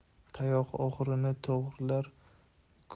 tayoq o'g'rini to'g'rilar